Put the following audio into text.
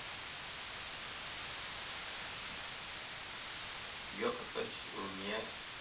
Өйгә кайткач Румия